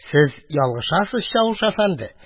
Сез ялгышасыз, чавыш әфәнде!